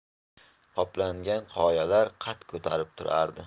qoplangan qoyalar qad ko'tarib turardi